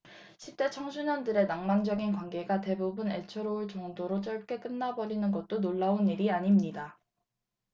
십대 청소년들의 낭만적인 관계가 대부분 애처로울 정도로 짧게 끝나 버리는 것도 놀라운 일이 아닙니다